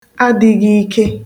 adị̄ghīkē